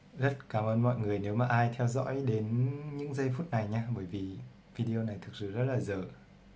sơn cám ơn mọi người nếu đã theo dõi đến giây phút này vì video này thực sự rất dở